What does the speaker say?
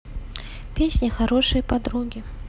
песни хорошие подруги